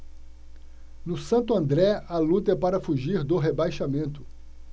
no santo andré a luta é para fugir do rebaixamento